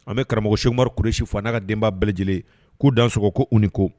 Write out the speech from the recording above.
An bɛ karamɔgɔsomaru kulusi fo n'a ka denba bɛɛ lajɛlen k'u dan sɔgɔ ko u ni ko